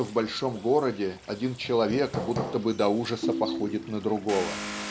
что в большом городе один человек будто бы до ужаса походит на другого.